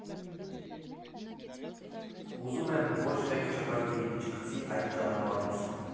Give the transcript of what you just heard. Ուզում եմ ոչ մեկ չբրդի, չգցի այդ ճանապարհից։